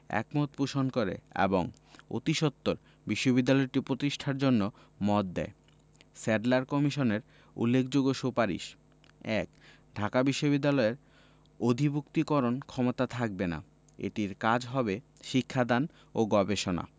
একমত পোষণ করে এবং অতিসত্বর বিশ্ববিদ্যালয়টি প্রতিষ্ঠার জন্য মত দেয় স্যাডলার কমিশনের উল্লেখযোগ্য সুপারিশ: ১. ঢাকা বিশ্ববিদ্যালয়ের অধিভুক্তিকরণ ক্ষমতা থাকবে না এটির কাজ হবে শিক্ষা দান ও গবেষণা